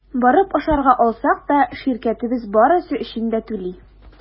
Барып ашарга алсак та – ширкәтебез барысы өчен дә түли.